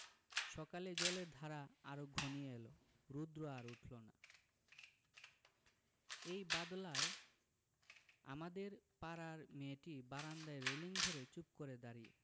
সকালে জলের ধারা আরো ঘনিয়ে এল রোদ্র আর উঠল না এই বাদলায় আমাদের পাড়ার মেয়েটি বারান্দায় রেলিঙ ধরে চুপ করে দাঁড়িয়ে